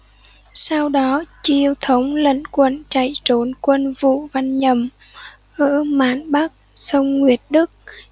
sau đó chiêu thống lẩn quất chạy trốn quân vũ văn nhậm ở mạn bắc sông nguyệt đức